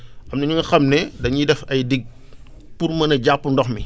am na ñu nga xam ne dañuy def ay gigue pour mën a jàpp ndox mi